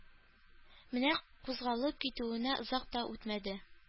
Менә кузгалып китүенә озак та үтмәде